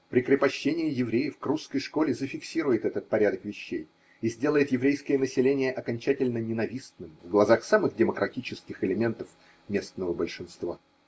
Прикрепощение евреев к русской школе зафиксирует этот порядок вещей и сделает еврейское население окончательно ненавистным в глазах самых демократических элементов местного большинства.